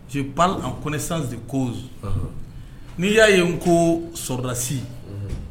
Nci a kɔnɛsanse ko n'i y'a ye n ko sɔdasi